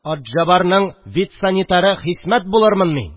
Атҗабарның витсанитары Хисмәт булырмын мин